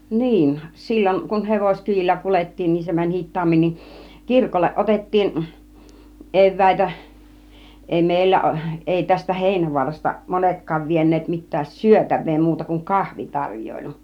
niin silloin kun hevoskyydillä kuljettiin niin se meni hitaammin niin kirkolle otettiin eväitä ei meillä ei tästä Heinävaarasta monetkaan vieneet mitään syötävää muuta kuin kahvitarjoilu